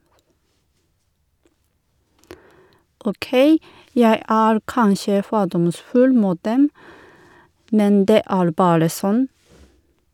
Åkei, jeg er kanskje fordomsfull mot dem, men det er bare sånn.